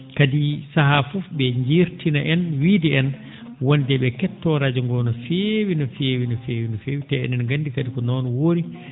kadi sahaa fof ?e njeertina en wiide en wonde ?e kettoo radio ngoo no feewi no feewi no feewi no feewi te enen nganndi ko noon woori